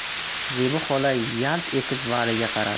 zebi xola yalt etib valiga qaradi